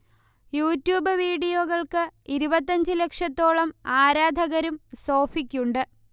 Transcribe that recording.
YouTube വീഡിയോകൾക്ക് ഇരുപത്തഞ്ചു ലക്ഷത്തോളം ആരാധകരും സോഫിക്കുണ്ട്